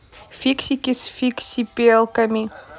фиксики с фиксипелками